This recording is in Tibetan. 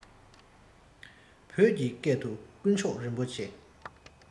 བོད ཀྱི སྐད དུ དཀོན མཆོག རིན པོ ཆེ